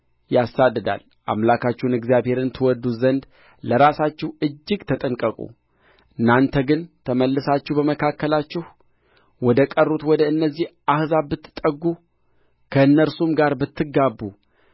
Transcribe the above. ያሳድዳል አምላካችሁን እግዚአብሔርን ትወድዱት ዘንድ ለራሳችሁ እጅግ ተጠንቀቁ እናንተ ግን ተመልሳችሁ በመካከላችሁ ወደ ቀሩት ወደ እነዚህ አሕዛብ ብትጠጉ ከእነርሱም ጋር ብትጋቡ